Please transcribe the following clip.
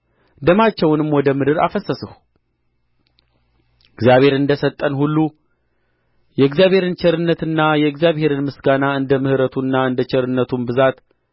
ደማቸውንም ወደ ምድር አፈሰስሁት እግዚአብሔር እንደ ሰጠን ሁሉ የእግዚአብሔርን ቸርነትና የእግዚአብሔርን ምስጋና እንደ ምሕረቱና እንደ ቸርነቱም ብዛት